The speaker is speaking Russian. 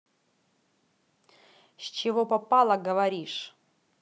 с чего попало говоришь